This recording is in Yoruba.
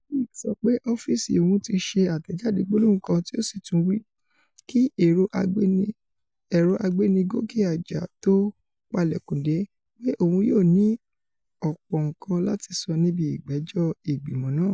Flake sọ pé ọ́fíìsí òun ti ṣe àtẹ̀jáde gbólóhùn kan tí ó sì tún wí, kí ẹ̀rọ agbénigòkè-àjà tó palẹ̀kùndé, pé òun yóò ní ọ̀pọ̀ nǹkan láti sọ níbi ìgbẹ́jọ́ ìgbìmọ̀ náà.